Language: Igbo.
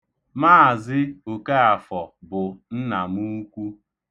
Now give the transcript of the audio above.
Mz. Okaafọ bụ nna m ukwu.